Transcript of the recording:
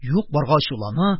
Юк-барга ачулана,